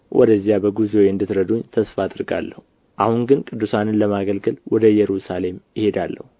ወደዚያ በጉዞዬ እንድትረዱኝ ተስፋ አደርጋለሁ አሁን ግን ቅዱሳንን ለማገልገል ወደ ኢየሩሳሌም እሄዳለሁ